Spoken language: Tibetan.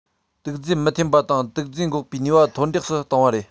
དུག རྫས མི འཐེན པ དང དུག རྫས འགོག པའི ནུས པ འཐོར འདེགས སུ བཏང བ རེད